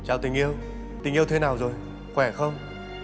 chào tình yêu tình yêu thế nào rồi khỏe không